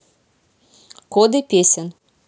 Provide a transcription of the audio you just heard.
коды песен